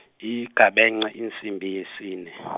Igabence, insimbi, yesine .